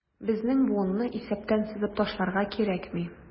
Безнең буынны исәптән сызып ташларга кирәкми.